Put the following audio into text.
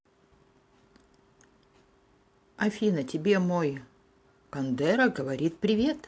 афина тебе мой кондера говорит привет